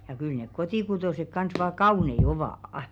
ja kyllä ne kotikutoiset kanssa vain kauniita ovat